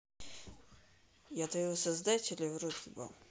я твоего создателя в рот ебал